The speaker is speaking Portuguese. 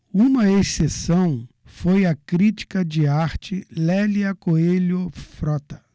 uma exceção foi a crítica de arte lélia coelho frota